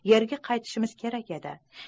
yerga qaytishimiz kerak edi